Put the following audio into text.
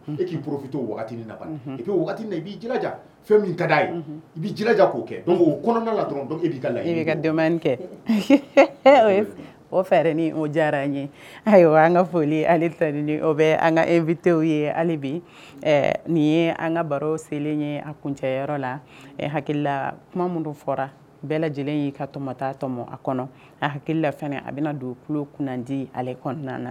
'i i kɛ o fɛ ni diyara an ye ayiwa an ka foli bɛ an e vtw ye bi nin ye an ka baro selen ye an kuncɛyɔrɔ la ɛ hakili kuma minnu fɔra bɛɛ lajɛlen y'i ka tota tɔmɔ a kɔnɔ a hakilila a bɛna don ku kunna di ale kɔnɔna na